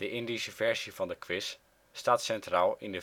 Indische versie van de quiz staat centraal in